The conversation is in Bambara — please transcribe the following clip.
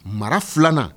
Mara filanan